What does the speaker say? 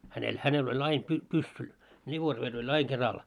hänellä hänellä oli aina - pyssy revolveri oli aina keralla